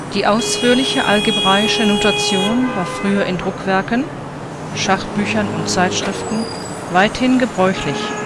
Die ausführliche algebraische Notation war früher in Druckwerken (Schachbüchern und - zeitschriften) weithin gebräuchlich